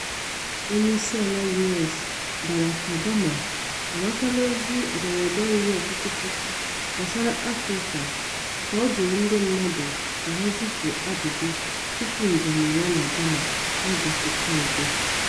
Onyeisiala US Barack Obama anatala ozi ederede ruru ọtụtụ puku gbasara Afrịka ka ọ jụrụ ndị mmadụ ka ha zipu ajụjụ tupu njem ya na Ghana n'ụbọchị Fraịdee.